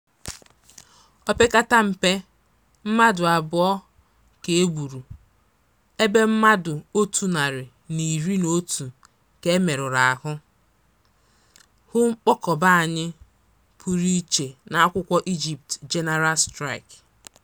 O pekata mmpe mmadụ abụọ ka e gburu, ebe mmadụ otu narị na iri na otu ka e meruru ahụ(Hụ mkpọkọba anyị pụrụ iche n'akwụkwọ Egypt's General Strike).